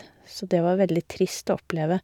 Så det var veldig trist å oppleve.